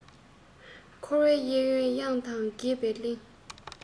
འཁོར བའི གཡས གཡོན གཡང དང གད པའི གླིང